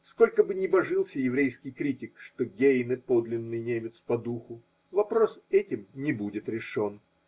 Сколько бы ни божился еврейский критик, что Гейне – подлинный немец по духу, вопрос этим не будет решен.